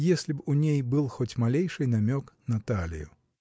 если б у ней был хоть малейший намек на талию.